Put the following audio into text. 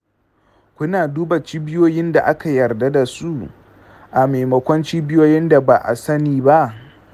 kuna duba cibiyoyin da aka yarda da su a maimakon cibiyoyin da ba'a sani ba.